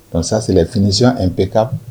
Donsasi finisime bɛ ka